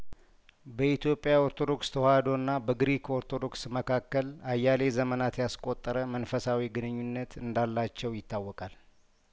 በኢትዮጵያ ኦርቶዶክስ ተዋህዶና በግሪክ ኦርቶዶክስ መካከል አያሌ ዘመናት ያስቆጠረ መንፈሳዊ ግንኙነት እንዳላቸው ይታወቃል